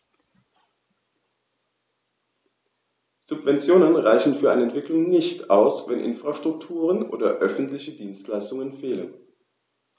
Subventionen reichen für eine Entwicklung nicht aus, wenn Infrastrukturen oder öffentliche Dienstleistungen fehlen.